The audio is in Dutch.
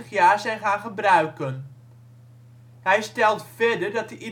150 jaar zijn gaan gebruiken. Hij stelt verder dat